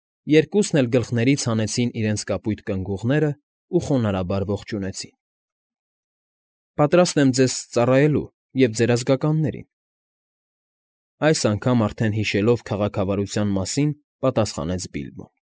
Երկուսն էլ գլխներից հանեցին իրենց կապույտ կնգուղներն ու խոնարհաբար ողջունեցին։ ֊ Պատրաստ եմ ծառայելու ձեզ և ձեր ազգականներին, ֊ այս անգամ արդեն հիշելով քաղաքավարության մասին՝ պատասխանեց Բիլբոն։ ֊